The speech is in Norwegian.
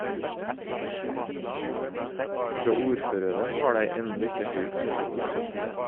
Frå ordføraren har dei enno ikkje høyrt noko.